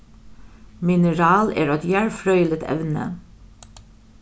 mineral er eitt jarðfrøðiligt evni